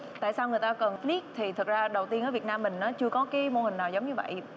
tại sao người ta cần thiết thì thực ra đầu tiên ở việt nam mình nó chưa có cái mô hình nào giống như vậy